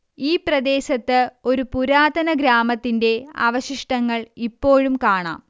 ഈ പ്രദേശത്ത് ഒരു പുരാതന ഗ്രാമത്തിന്റെ അവശിഷ്ടങ്ങൾ ഇപ്പോഴും കാണാം